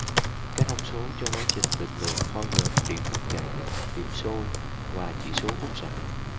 các thông số cho quá trình định lượng bao gồm điểm nóng chảy điểm sôi và chỉ số khúc xạ